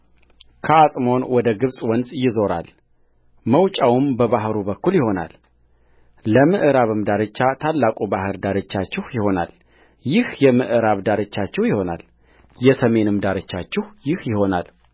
ከዓጽሞን ወደ ግብፅ ወንዝ ይዞራል መውጫውም በባሕሩ በኩል ይሆናልለምዕራብም ዳርቻ ታላቁ ባሕር ዳርቻችሁ ይሆናል ይህ የምዕራብ ዳርቻችሁ ይሆናልየሰሜንም ዳርቻችሁ ይህ ይሆናል